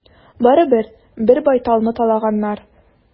Барыбер, бер байталны талаганнар.